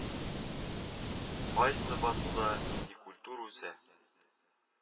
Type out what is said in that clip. Кайсы басуда нинди культура үсә